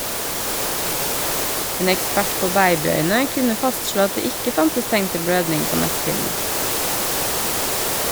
En ekspert på babyøyne kunne fastslå at det ikke fantes tegn til blødning på netthinnen.